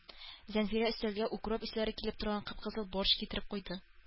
Зәнфирә өстәлгә укроп исләре килеп торган кып-кызыл борщ китереп куйды.